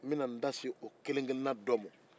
n bɛna n da se o kelen kelenna dɔ ma